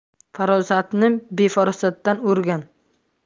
farosatni befarasotdan o'rgan